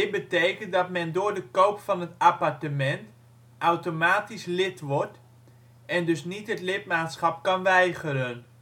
betekent dat men door de koop van het appartement automatisch lid wordt, en dus niet het lidmaatschap kan weigeren